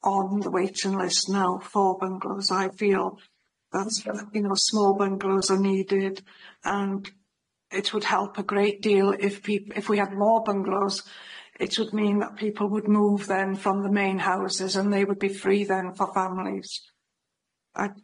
on the waiting list now for bungalows I feel that's you know small bungalows are needed and it would help a great deal if pe- if we had more bungalows it would mean that people would move then from the main houses and they would be free then for families.